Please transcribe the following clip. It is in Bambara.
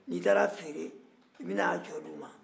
n'i taara feere i bɛn'a jɔ d'u ma